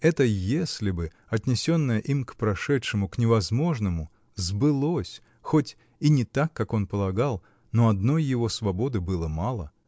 " Это "если бы", отнесенное им к прошедшему, к невозможному, сбылось, хоть, и не так, как он полагал, -- но одной его свободы было мало.